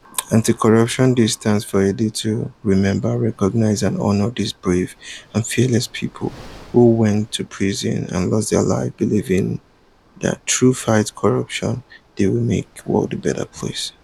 Anti-Corruption Day stands for a day to remember, recognise and honour these brave and fearless people, who went to prison or lost their lives believing that through fighting corruption they will make the world a better place.